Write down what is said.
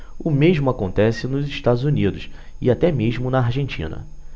o mesmo acontece nos estados unidos e até mesmo na argentina